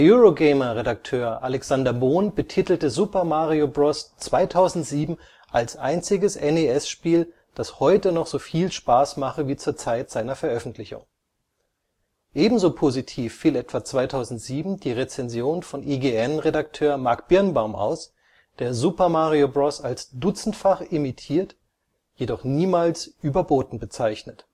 Eurogamer-Redakteur Alexander Bohn betitelte Super Mario Bros. 2007 als einziges NES-Spiel, das heute noch so viel Spaß mache wie zur Zeit seiner Veröffentlichung. Ebenso positiv fiel etwa 2007 die Rezension von IGN-Redakteur Mark Birnbaum aus, der Super Mario Bros. als dutzendfach imitiert, jedoch niemals überboten bezeichnet